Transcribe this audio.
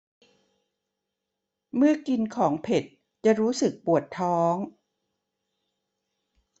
เมื่อกินของเผ็ดจะรู้สึกปวดท้อง